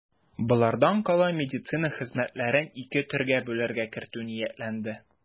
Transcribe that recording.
Болардан кала медицина хезмәтләрен ике төргә бүләргә кертү ниятләнде.